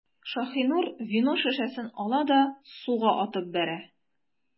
Шаһинур вино шешәсен ала да суга атып бәрә.